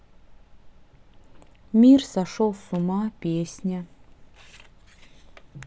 мир сошел с ума песня